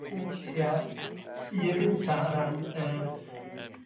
pwyntia, yrr un gynta' or ran yr